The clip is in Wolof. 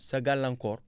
sa gàllankoor